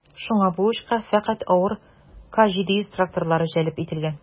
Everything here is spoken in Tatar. Шуңа бу эшкә фәкать авыр К-700 тракторлары җәлеп ителгән.